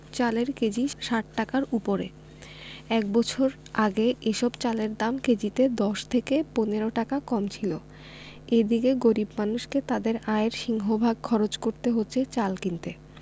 চালের কেজি ৬০ টাকার ওপরে এক বছর আগে এসব চালের দাম কেজিতে ১০ থেকে ১৫ টাকা কম ছিল এদিকে গরিব মানুষকে তাঁদের আয়ের সিংহভাগ খরচ করতে হচ্ছে চাল কিনতে